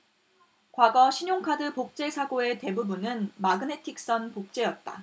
과거 신용카드 복제 사고의 대부분은 마그네틱선 복제였다